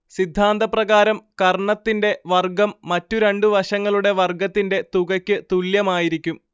സിദ്ധാന്തപ്രകാരം കർണ്ണത്തിന്റെ വർഗ്ഗം മറ്റുരണ്ടുവശങ്ങളുടെ വർഗ്ഗത്തിന്റെ തുകക്ക് തുല്യമായിരിക്കും